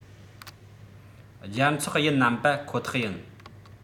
རྒྱལ ཚོགས ཡིན ནམ པ ཁོ ཐག ཡིན